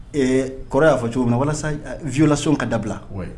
Ee kɔrɔ y'a fɔ cogo min na walasa violation ka dabila